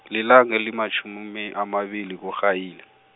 lilanga elimatjhumi amabili kurhayila.